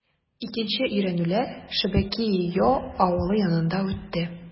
Икенче өйрәнүләр Шебекиио авылы янында үтте.